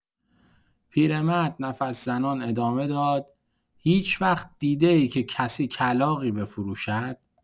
پیرمرد نفس‌زنان ادامه داد: «هیچ‌وقت دیده‌ای که کسی کلاغی بفروشد؟!»